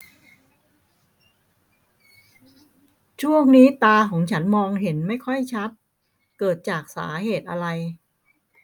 ช่วงนี้ตาของฉันมองเห็นไม่ค่อยชัดเกิดจากสาเหตุอะไร